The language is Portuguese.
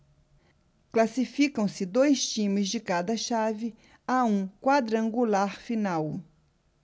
classificam-se dois times de cada chave a um quadrangular final